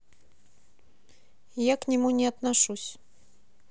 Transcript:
я к нему не отношусь